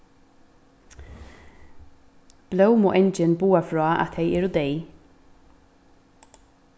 blómuangin boðar frá at tey eru deyð